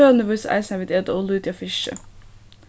tølini vísa eisini at vit eta ov lítið av fiski